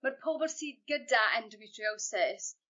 ma'r pobol sy gyda endometriosis